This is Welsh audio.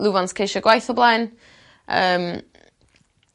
lwfans ceisio gwaith o blaen yym